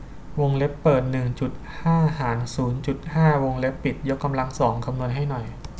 วงเล็บเปิดหนึ่งจุดห้าหารศูนย์จุดห้าวงเล็บปิดยกกำลังสองคำนวณให้หน่อย